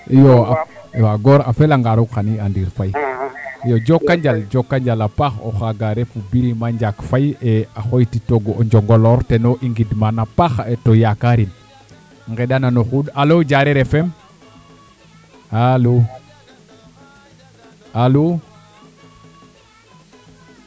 iyoo waaw goor a felanga roog xan i andir Faye iyo jokonjal jokonjal a paax o xaaga ref Birima Ndiak Faye a xooytitoogu o Njongolor ten no i ngidman a paax to yakarin nqenɗanan o xuuɗ alo Diare FM alo alo